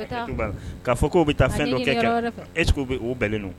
'a fɔ ko'u bɛ taa fɛn dɔ kɛ ca etuw bɛ'u bɛnlen don